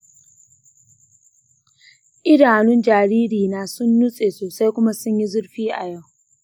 idanun jaririna sun nutse sosai kuma sun yi zurfi a yau.